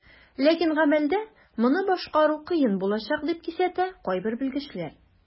Ләкин гамәлдә моны башкару кыен булачак, дип кисәтә кайбер белгечләр.